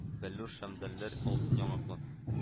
Бәллүр шәмдәлләре алтын яңаклы